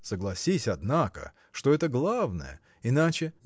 – Согласись, однако, что это главное; иначе.